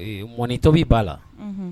Ee mɔnitobi b'a la, unhun.